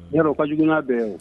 yɔrɔ o ka jugu n'a bɛ ye.